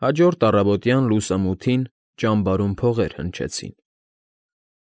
Հաջորդ առավոտյան լուսումութին ճամբարում փողեր հնչեցին։